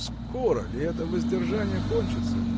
Скоро ли это воздержание кончится?